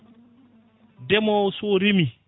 ndeemowo so reemi